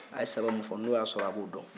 a ye saba min fɔ n'o y'a sɔrɔ a b'o dɔn